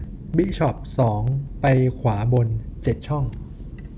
บิชอปสองไปขวาบนเจ็ดช่อง